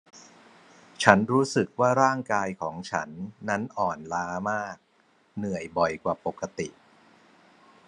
ฉันรู้สึกว่าร่างกายของฉันนั้นอ่อนล้ามากเหนื่อยบ่อยกว่าปกติ